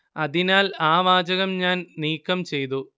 അതിനാൽ ആ വാചകം ഞാൻ നീക്കം ചെയ്തു